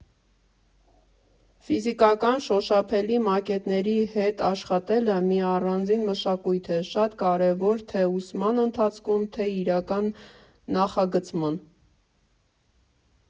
Ֆիզիկական, շոշափելի մակետների հետ աշխատելը մի առանձին մշակույթ է, շատ կարևոր թե՛ ուսման ընթացքում, թե՛ իրական նախագծման։